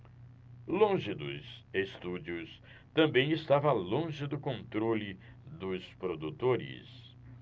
longe dos estúdios também estava longe do controle dos produtores